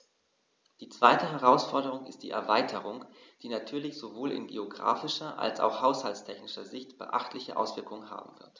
Die zweite Herausforderung ist die Erweiterung, die natürlich sowohl in geographischer als auch haushaltstechnischer Sicht beachtliche Auswirkungen haben wird.